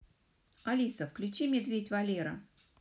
алиса включи медведь валера